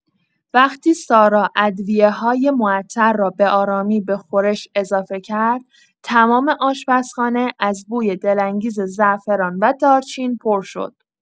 وقتی سارا ادویه‌های معطر را به‌آرامی به خورش اضافه کرد، تمام آشپزخانه از بوی دل‌انگیز زعفران و دارچین پر شد.